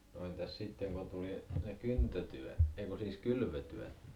no entäs sitten kun tuli ne kyntötyöt ei kun siis kylvötyöt